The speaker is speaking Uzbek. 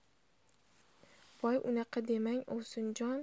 voy unaqa demang ovsinjon